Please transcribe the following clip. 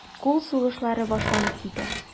Кул сугышлары башланып китә.